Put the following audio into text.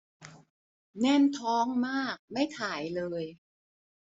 แน่นท้องมากไม่ถ่ายเลย